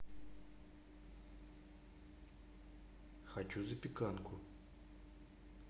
хочу запеканку